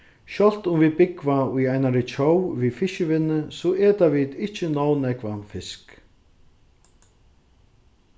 sjálvt um vit búgva í einari tjóð við fiskivinnu so eta vit ikki nóg nógvan fisk